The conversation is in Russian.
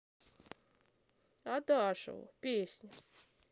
адажио песня